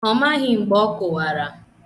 Ọ maghị mgbe ọ kụwara.